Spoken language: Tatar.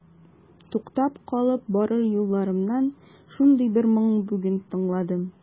Туктап калып барыр юлларымнан шундый бер моң бүген тыңладым.